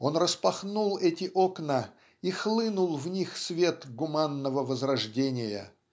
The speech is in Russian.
он распахнул эти окна, и хлынул в них свет гуманного возрождения